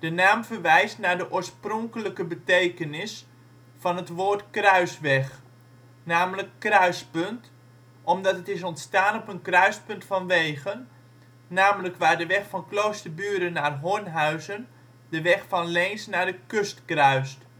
naam verwijst naar de oorspronkelijke betekenis van het woord kruisweg, namelijk kruispunt, omdat het is ontstaan op een kruispunt van wegen, namelijk waar de weg van Kloosterburen naar Hornhuizen de weg van Leens naar de kust kruist